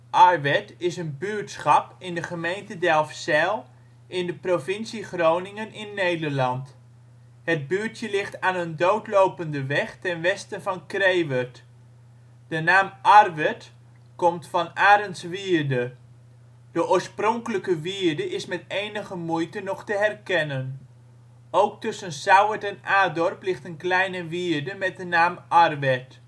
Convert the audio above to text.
Arwerd is een buurtschap in de gemeente Delfzijl in de provincie Groningen in (Nederland). Het buurtje ligt aan een doodlopende weg ten westen van Krewerd. De naam Arwerd komt van Arendswierde. De oorspronkelijke wierde is met enige moeite nog te herkennen. Ook tussen Sauwerd en Adorp ligt een kleine wierde met de naam Arwerd